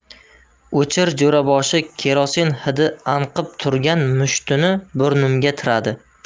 o'chir jo'raboshi kerosin hidi anqib turgan mushtini burnimga tiradi